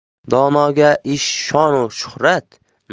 donoga ish shon u shuhrat